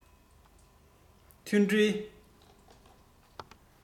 མཐུན སྒྲིལ